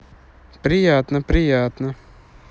приятно приятно